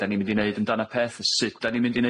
'dan ni'n mynd i neud am dan y peth sut 'dan ni'n mynd i